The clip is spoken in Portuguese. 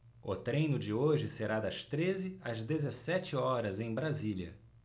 o treino de hoje será das treze às dezessete horas em brasília